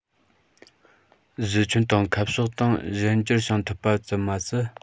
གཞི ཁྱོན དང ཁ ཕྱོགས སྟེང གཞན འགྱུར བྱུང ཐུབ པ ཙམ མ ཟད